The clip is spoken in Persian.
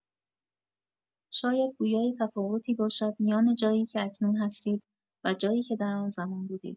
شاید گویای تفاوتی باشد میان جایی که اکنون هستید و جایی که در آن‌زمان بودید.